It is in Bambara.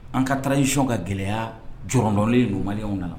An ka taacɔn ka gɛlɛyaya jɔdɔn numuw la